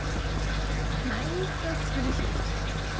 Nein, das will ich nicht.